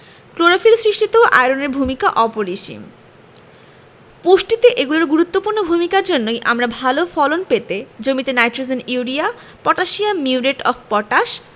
chlorophyll সৃষ্টিতেও আয়রনের ভূমিকা অপরিসীম পুষ্টিতে এগুলোর গুরুত্বপূর্ণ ভূমিকার জন্যই আমরা ভালো ফলন পেতে জমিতে nitrogen urea potassium muriate of potash